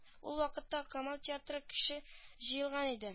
Ул вакытта камал театрына кеше җыелган иде